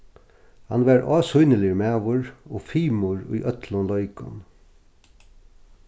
hann var ásýniligur maður og fimur í øllum leikum